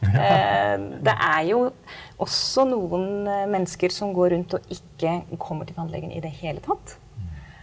det er jo også noen mennesker som går rundt og ikke kommer til tannlegen i det hele tatt.